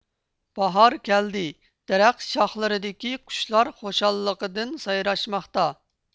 باھار كەلدى دەرەخ شاخلىرىدىكى قۇشلار خۇشاللىقىدىن سايراشماقتا